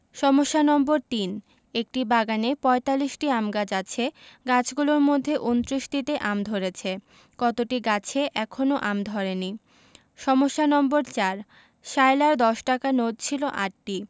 সমস্যা নম্বর ৩ একটি বাগানে ৪৫টি আম গাছ আছে গাছগুলোর মধ্যে ২৯টিতে আম ধরেছে কতটি গাছে এখনও আম ধরেনি সমস্যা নম্বর ৪ সায়লার দশ টাকার নোট ছিল ৮টি